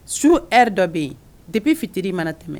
Su hɛrɛ dɔ bɛ yen de bɛ fitiri mana tɛmɛ